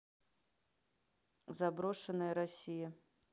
заброшенная россия